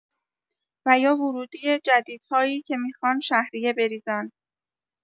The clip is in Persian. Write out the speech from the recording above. و یا ورودی جدیدهایی که میخوان شهریه بریزن